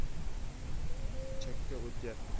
chakka o'tyapti